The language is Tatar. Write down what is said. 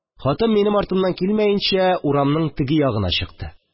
Хатын, минем артымнан килмәенчә, урамның теге ягына чыкты